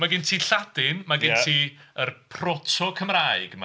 Ma' gen ti Lladin, ma'... ia. ...gen ti yr proto Cymraeg 'ma.